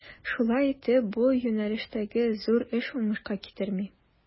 Шулай итеп, бу юнәлештәге зур эш уңышка китерми.